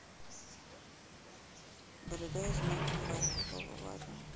борода из magic five попал в аварию